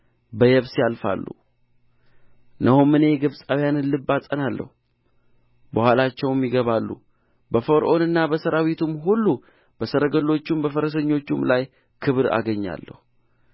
በየብስ ያልፋሉ እነሆም እኔ የግብፃውያንን ልብ አጸናለሁ በኋላቸውም ይገባሉ በፈርዖንና በሠራዊቱም ሁሉ በሰረገሎቹም በፈረሰኞቹም ላይ ክብር አገኛለሁ